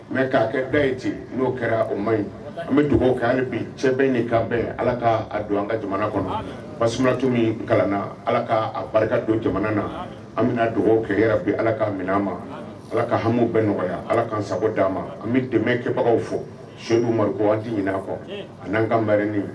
Mɛ' kɛ bɛɛ ye ci n'o kɛra o ma ɲi an bɛ dugawu kɛ an bi cɛ bɛ ye ka bɛn ala ka don an ka jamana kɔnɔ bas cogo min kalan na ala kaa barika don jamana na an bɛna dugawu kɛ yɛrɛ bi ala ka minɛn ma ala ka hami bɛɛ nɔgɔya ala kaan sago di'a ma an bɛ dɛmɛ kebagaw fɔ sodu ma ɲini a kɔ ani'an ka mi ni